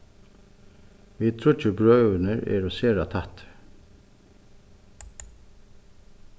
vit tríggir brøðurnir eru sera tættir